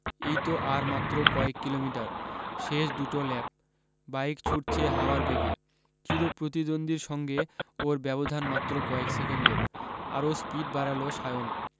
এই তো আর মাত্র কয়েক কিলোমিটার শেষ দুটো ল্যাপ বাইক ছুটছে হাওয়ার বেগে চিরপ্রতিদ্বন্দ্বীর সঙ্গে ওর ব্যবধান মাত্র কয়েক সেকেন্ডের আরও স্পীড বাড়াল সায়ন